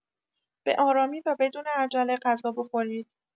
به‌آرامی و بدون عجله غذا بخورید.